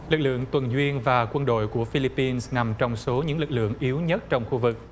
lực lượng tuần duyên và quân đội của phi líp pin nằm trong số những lực lượng yếu nhất trong khu vực